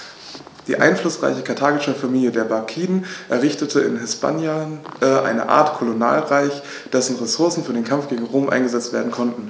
Die einflussreiche karthagische Familie der Barkiden errichtete in Hispanien eine Art Kolonialreich, dessen Ressourcen für den Kampf gegen Rom eingesetzt werden konnten.